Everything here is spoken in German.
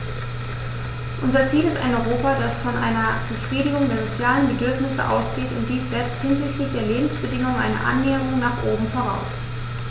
Unser Ziel ist ein Europa, das von einer Befriedigung der sozialen Bedürfnisse ausgeht, und dies setzt hinsichtlich der Lebensbedingungen eine Annäherung nach oben voraus.